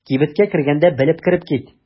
Кибеткә кергәндә белеп кереп кит.